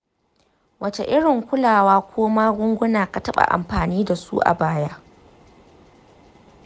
wace irin kulawa ko magunguna ka taɓa amfani da su a baya?